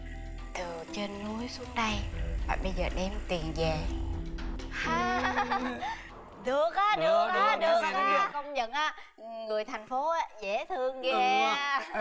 từ trên núi xuống đây mà bây giờ đem tiền về ha ha được đó được đó công nhận người thành phố dễ thương ghê á